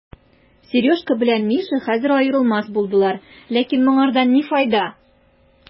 Сережка белән Миша хәзер аерылмас булдылар, ләкин моңардан ни файда?